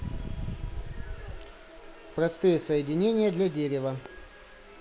простые соединения для дерева